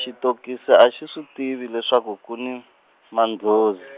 xitokisi a xi swi tivi leswaku ku ni, mandlhozi.